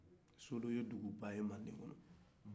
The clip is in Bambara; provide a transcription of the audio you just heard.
solu ye duguba ye mande kɔnɔ